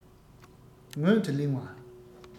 སྔོན དུ གླེང བ